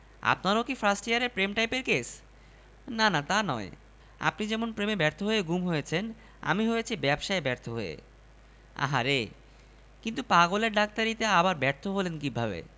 সমস্যা তো খুবই গুরুতর কী রকম মনে হচ্ছে আপনি গুম হয়ে গেছেন কী সব বলছেন আমি গুম হতে যাব কোন দুঃখে সেটা তো আমারও প্রশ্ন